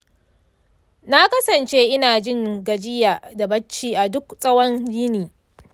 na kasance ina jin gajiya da bacci a duk tsawon yini.